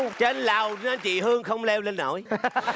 trên lầu nên chị hương không leo lên nổi